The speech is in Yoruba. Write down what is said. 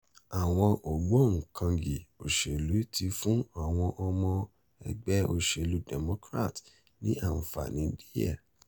Àwọn ògbóǹkangí òṣèlú ti fún àwọn ọmọ ẹgbẹ́ òṣèlú Democrats ní àǹfààní díẹ̀.